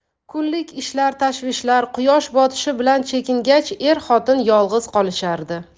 kunlik ishlar tashvishlar quyosh botishi bilan chekingach er xotin yolg'iz qolishardi